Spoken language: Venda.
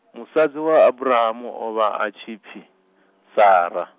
musadzi wa Abrahamu o vha a tshi pfi, Sara.